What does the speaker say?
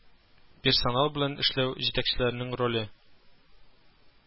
Персонал белән эшләү, җитәкчелекнең роле